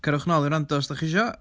Cerwch nôl i wrando os dach chi isio.